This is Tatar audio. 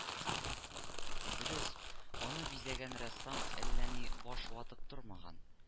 Дөрес, аны бизәгән рәссам әлләни баш ватып тормаган